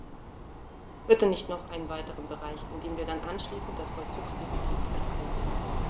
Bitte nicht noch einen weiteren Bereich, in dem wir dann anschließend das Vollzugsdefizit beklagen müssen.